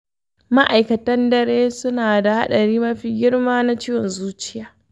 ma'aikatan dare suna da haɗari mafi girma na ciwon zuciya?